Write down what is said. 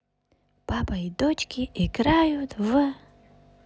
папа и дочки играют в